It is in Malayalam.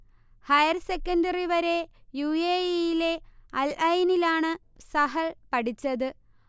ഹയർ സെക്കൻഡറി വരെ യു. എ. ഇ. യിലെ അൽ ഐനിലാണു സഹൽ പഠിച്ചത്